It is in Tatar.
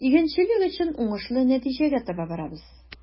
Игенчелек өчен уңышлы нәтиҗәгә таба барабыз.